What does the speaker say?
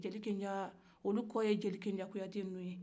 jeli kenja olu kɔ ye jeli kenja kuyatew ye